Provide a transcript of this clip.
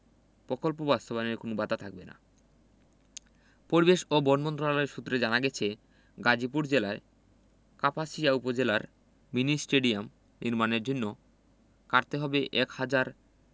প্রকল্প বাস্তবায়নে কোনো বাধা থাকবে না পরিবেশ ও বন মন্ত্রণালয় সূত্রে জানা গেছে গাজীপুর জেলার কাপাসিয়া উপজেলায় মিনি স্টেডিয়াম নির্মাণের জন্য কাটতে হবে এক হাজার